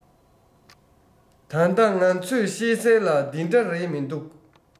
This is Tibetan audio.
ད ལྟ ང ཚོས ཤེས གསལ ལ འདི འདྲ རེད མི འདུག